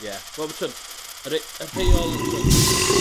Ie wel ma' t'wod y re- y rheol t'wod?